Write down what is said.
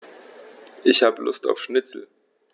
Ich habe Lust auf Schnitzel.